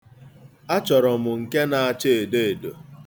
Achọrọ m nke na-acha edo edo.